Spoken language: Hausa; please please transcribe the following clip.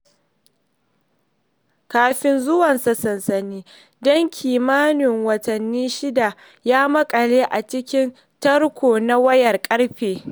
Kafin zuwansa sansanin, ɗan kimanin watannin shidan ya maƙale a cikin tarko na wayar ƙarfe.